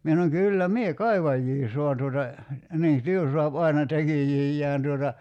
minä sanoin kyllä minä kaivajia saan tuota niin työ saa aina tekijöitään tuota